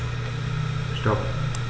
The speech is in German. Stop.